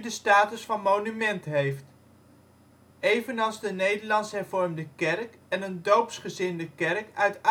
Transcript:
status van monument heeft, evenals de Nederlands Hervormde kerk en een doopsgezindenkerk uit